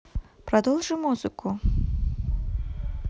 продолжи музыку